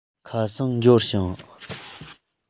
ཁ སང འབྱོར བྱུང